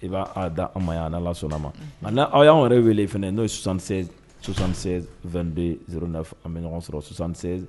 I b'a da an ma ya n'Ala sɔnna, a na aw y'anw yɛrɛ wele fana n'o ye 76 76 22 09 an bɛ ɲɔgɔn sɔrɔ 76